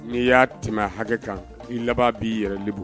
N'i y'a tɛmɛ hakɛ kan i laban b'i yɛrɛli